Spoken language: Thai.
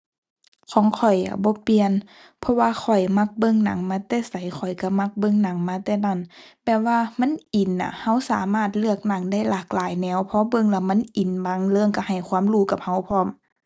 ของข้อยอะบ่เปลี่ยน เพราะว่าข้อยมักเบิ่งหนังมาแต่ไสข้อยก็มักเบิ่งหนังมาแต่นั้น แบบว่ามันอินน่ะ ก็สามารถเลือกหนังได้หลากหลายแนว พอเบิ่งแล้วมันอิน บางเรื่องก็ให้ความรู้กับก็พร้อม